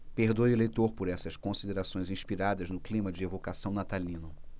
perdoe o leitor por essas considerações inspiradas no clima de evocação natalino